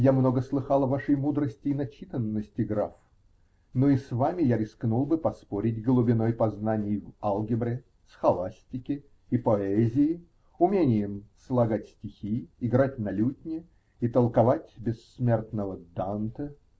Я много слыхал о вашей мудрости и начитанности, граф, но и с вами я рискнул бы поспорить глубиной познаний в алгебре, схоластике и поэзии, умением слагать стихи, играть на лютне и толковать бессмертного Данте.